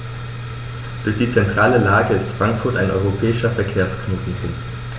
Durch die zentrale Lage ist Frankfurt ein europäischer Verkehrsknotenpunkt.